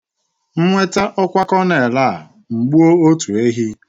M nweta ọkwa kọnel a, m gbuo otu ehi.